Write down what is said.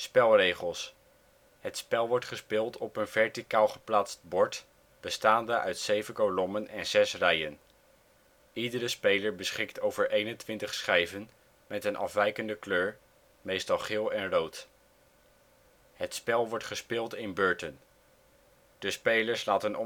Het spel wordt gespeeld op een verticaal geplaatst bord bestaand uit 7 kolommen en 6 rijen. Iedere speler beschikt over 21 schijven met een afwijkende kleur, meestal geel en rood. Het spel wordt gespeeld in beurten. De spelers laten